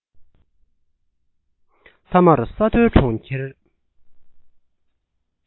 མཐའ མར ས མཐོའི གྲོང ཁྱེར